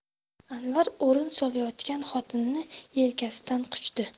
anvar o'rin solayotgan xotinini yelkasidan quchdi